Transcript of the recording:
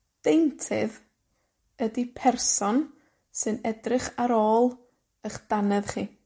Deintydd ydi person sy'n edrych ar ôl 'ych dannedd chi.